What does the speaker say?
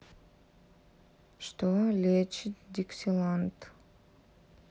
что лечит дексилант